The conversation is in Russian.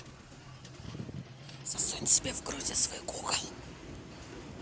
засунь себе в груди в свое goody